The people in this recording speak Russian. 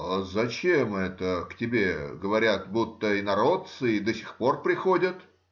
— А зачем это к тебе, говорят, будто инородцы и до сих пор приходят?